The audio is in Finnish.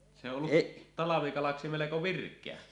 se on ollut talvikalaksi melko virkeä